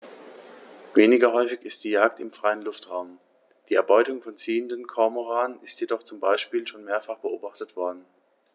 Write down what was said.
Weniger häufig ist die Jagd im freien Luftraum; die Erbeutung von ziehenden Kormoranen ist jedoch zum Beispiel schon mehrfach beobachtet worden.